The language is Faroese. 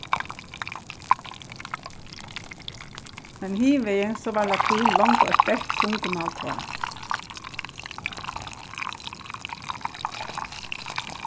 men hin vegin so var latín longu eitt deytt tungumál tá